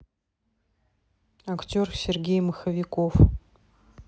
актер сергей маховиков